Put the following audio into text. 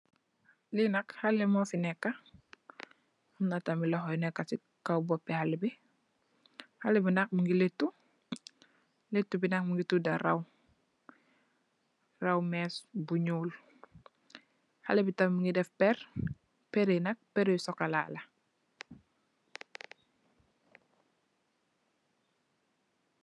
Lii nak haleh morsi neka, amna tamit lokhor yu neka cii kaw bopi haleh bii, haleh bii nak mungy lehtu, lehtu bii nak mungy tuda rahww, rahww meeche bu njull, haleh bii tamit mungy deff pehrre, pehrre yii nak pehrre yu chocolat la.